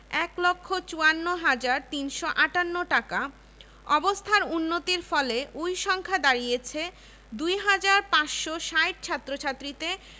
তিনি জানান যে ওই বছর পূর্ববাংলা ও আসামে ১ হাজার ৬৯৮ জন উচ্চ মাধ্যমিক স্তরের ছাত্র ছাত্রী ছিল এবং ওই খাতে ব্যয়ের পরিমাণ ছিল